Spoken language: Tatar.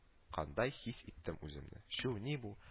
Кандай хис иттем үземне. чү, ни бу